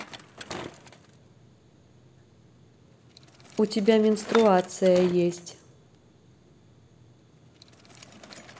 у тебя менструация есть